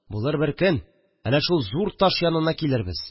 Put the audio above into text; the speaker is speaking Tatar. Булыр бер көн, әнә шул зур таш янына килербез